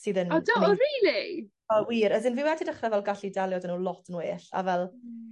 Sydd yn... O do o rili? Wel wir as in fi wedi dechre fel gallu delio 'dy n'w lot yn well a fel... Hmm.